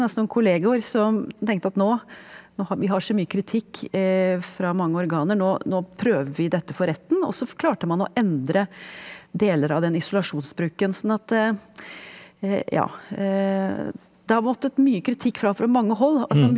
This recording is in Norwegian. altså noen kollegaer som tenkte at nå nå vi har så mye kritikk fra mange organer, nå nå prøver vi dette for retten, og så klarte man å endre deler av den isolasjonsbruken sånn at ja det har måttet mye kritikk fram fra mange hold altså.